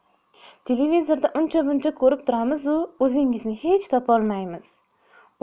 televizorda uncha muncha ko'rib turamizu o'zingizni hech topolmaymiz